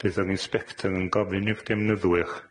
Bydd yr inspector yn gofyn i'r defnyddwyr,